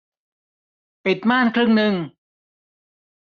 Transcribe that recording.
ปิดม่านครึ่งนึง